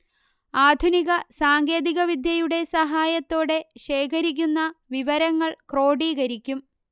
ആധുനിക സാങ്കേതിക വിദ്യയുടെ സഹായത്തോടെ ശേഖരിക്കുന്ന വിവരങ്ങൾ ക്രോഡീകരിക്കും